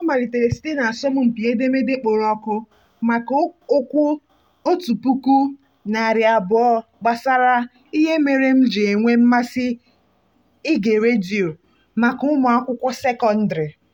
Ọ malitere site n'asọmpi edemede kpọrọ oku maka okwu 1,200 gbasara "ihe mere m ji enwe mmasị ige redio" maka ụmụ akwụkwọ sekọndrị.